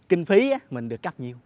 kinh phí á mình được cấp nhiêu